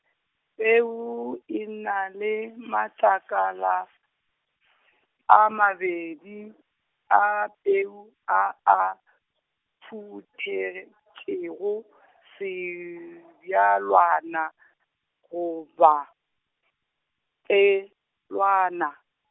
peu e na le matlakala, a mabedi, a peu a a phuthege- tšego sebjalwana goba, pelwana.